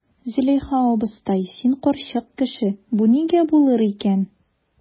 Зөләйха абыстай, син карчык кеше, бу нигә булыр икән?